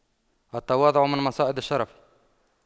التواضع من مصائد الشرف